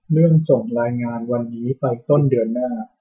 เลื่อนส่งรายงานวันนี้ไปต้นเดือนหน้า